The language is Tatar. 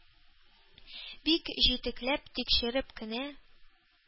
Бик җентекләп тикшереп кенә,